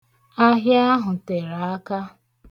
Ahịa ahụ tere aka.